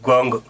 goonga